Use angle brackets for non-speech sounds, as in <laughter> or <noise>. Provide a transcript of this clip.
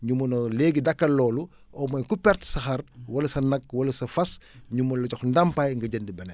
ñu mun a léegi dakkal loolu au moins ku perte sa xar wala sa nag wala sa fas <breath> ñu mun la jox ndàmpaay nga jënd beneen